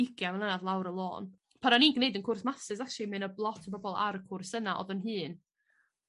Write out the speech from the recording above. ugan mlynadd lawr y lôn. Pan o'n i'n gneud 'yn cwrs masters actually mi o' 'na b- lot o bobol ar y cwrs yna odd yn hŷn